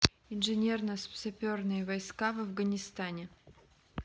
инженерно саперные войска в афганистане